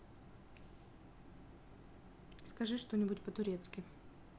скажи что нибудь по турецки